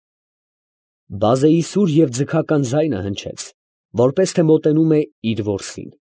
Բազեի սուր և ձգական ձայնը հնչեց, որպես թե մոտենում է իր որսին։